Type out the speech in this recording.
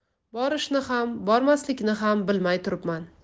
borishni ham bormaslikni ham bilmay turibman